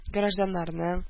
Гражданнарның